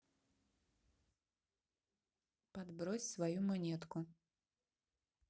подбрось свою монетку